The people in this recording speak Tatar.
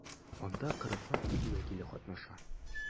Анда 40 лап ил вәкиле катнаша.